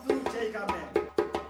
N cɛ i ka mɛn